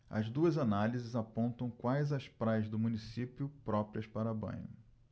as duas análises apontam quais as praias do município próprias para banho